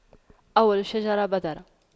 أول الشجرة بذرة